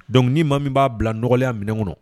Donc ma min b'a bila dɔgɔya minɛn kɔnɔ